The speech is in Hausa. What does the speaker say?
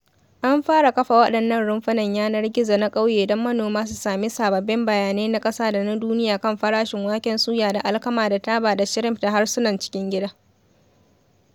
An fara kafa waɗannan rumfunan yanar gizo na ƙauye don manoma su sami sababbin bayanai na ƙasa da na duniya kan farashin waken suya da alkama da taba da shrimp da harsunan cikin gida.